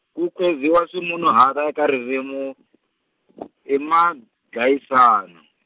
ku khedziwa swimunhuhatwa eka ririmi, i madlayisana.